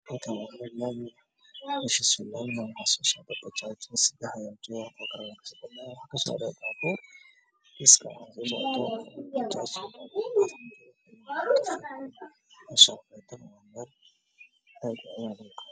Meeshaan waa meel waddo ah xamarayo bajaajifaro badan iyo gaari gaadiidkiisa waa caddaan